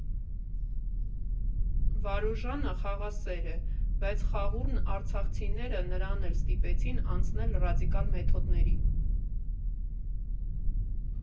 Վարուժանը խաղաղասեր է, բայց հախուռն արցախցիները նրան էլ ստիպեցին անցնել ռադիկալ մեթոդների։